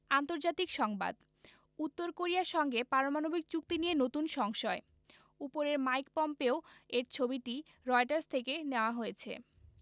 আন্তর্জাতিক সংবাদ উত্তর কোরিয়ার সঙ্গে পারমাণবিক চুক্তি নিয়ে নতুন সংশয় উপরের মাইক পম্পেও এর ছবিটি রয়টার্স থেকে নেয়া হয়েছে